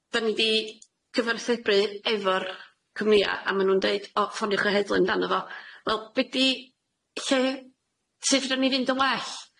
'Dan ni 'di cyfarthrebu efo'r cwmnia, a ma' nw'n deud, O ffoniwch y heddlu amdany fo. Wel, be' 'di- lle- sut fedran ni fynd yn well?